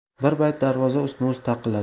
bir payt darvoza ustma ust taqilladi